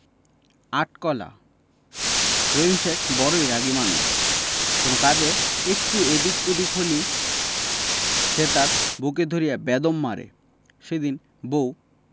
আট কলা রহিম শেখ বড়ই রাগী মানুষ কোনো কাজে একটু এদিক ওদিক হইলেই সে তার বউকে ধরিয়া বেদম মারে সেদিন বউ